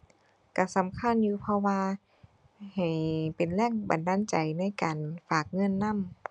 ก็สำคัญอยู่เพราะว่าให้เป็นแรงบันดาลใจในการฝากเงินนำ